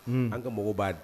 An ka mɔgɔw b'a